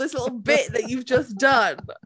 this little bit that you've just done!